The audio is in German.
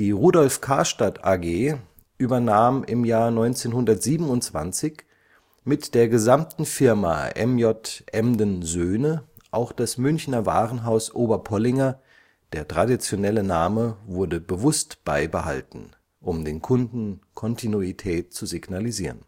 Rudolph Karstadt A.G. übernahm im Jahr 1927 mit der gesamten Firma M. J. Emden Söhne auch das Münchner Warenhaus Oberpollinger; der traditionelle Name wurde bewusst beibehalten, um den Kunden Kontinuität zu signalisieren